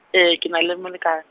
e ke na le moleka.